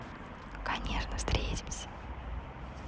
конечно встретимся